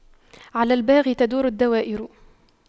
على الباغي تدور الدوائر